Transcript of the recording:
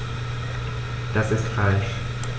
Das ist falsch.